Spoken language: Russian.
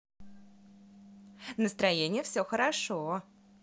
настроение все хорошо